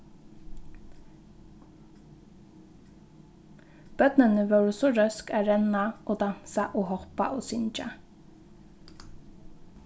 børnini vóru so røsk at renna og dansa og hoppa og syngja